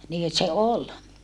niin se oli